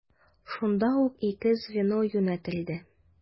Шунда ук ике звено юнәтелде.